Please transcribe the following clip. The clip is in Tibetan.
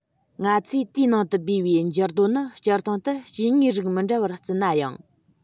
ང ཚོས དེའི ནང དུ སྦས པའི འགྱུར རྡོ ནི སྤྱིར བཏང དུ སྐྱེ དངོས རིགས མི འདྲ བར བརྩི ནའང